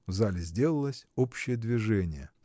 В зале сделалось общее движение.